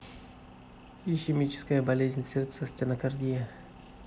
ишемическая болезнь сердца стенокардия